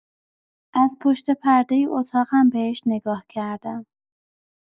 از پشت پردۀ اتاقم بهش نگاه کردم.